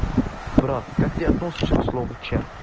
брат как ты относишься к слову черт